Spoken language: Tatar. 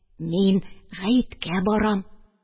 Мин гаеткә барам.